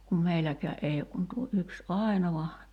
kun meilläkään ei ole kuin tuo yksi ainoa